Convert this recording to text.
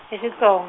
i Xitsong-.